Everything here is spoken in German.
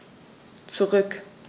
Zurück.